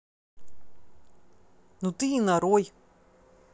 ну ты и нарой